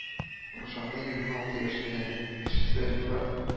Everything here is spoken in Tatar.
Рушаны егерме алты яшендә, кечесе Рифат